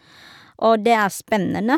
Og det er spennende.